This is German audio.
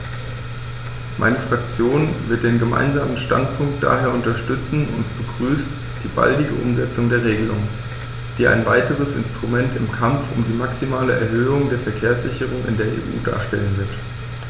Meine Fraktion wird den Gemeinsamen Standpunkt daher unterstützen und begrüßt die baldige Umsetzung der Regelung, die ein weiteres Instrument im Kampf um die maximale Erhöhung der Verkehrssicherheit in der EU darstellen wird.